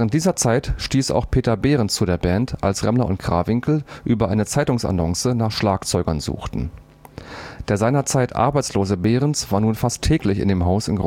dieser Zeit stieß auch Peter Behrens zu der Band, als Remmler und Krawinkel über eine Zeitungsannonce nach Schlagzeugern suchten. Der seinerzeit arbeitslose Behrens war nun fast täglich in dem Haus in